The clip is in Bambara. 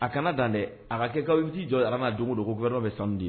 A kana dan dɛ a ka kɛ kati jɔ a n'a dogoogo don ko bɛdɔ bɛ sanu de ye